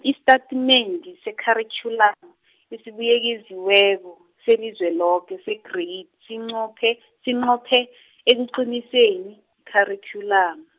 isitatimende seKharikhyulamu esibuyekeziweko seliZweloke segreyidi sinqophe, sinqophe ekuqiniseni, ikharikhyulamu.